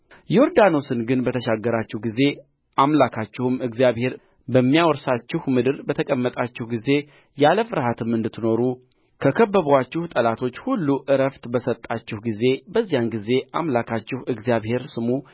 ዮርዳኖስን ግን በተሻገራችሁ ጊዜ አምላካችሁም እግዚአብሔር በሚያወርሳችሁ ምድር በተቀመጣችሁ ጊዜ ያለ ፍርሃትም እንድትኖሩ ከከበቡአችሁ ጠላቶች ሁሉ ዕረፍት በሰጣችሁ ጊዜ በዚያን ጊዜ አምላካችሁ እግዚአብሔር ስሙ